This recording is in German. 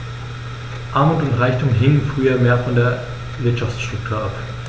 Armut und Reichtum hingen früher mehr von der Wirtschaftsstruktur ab.